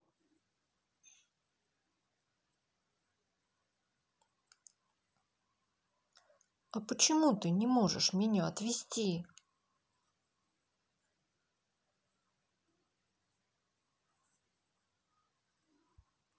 а почему ты не можешь меня отвезти